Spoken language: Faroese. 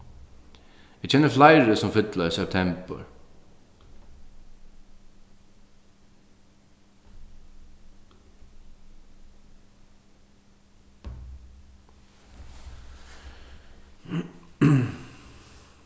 eg kenni fleiri sum fylla í septembur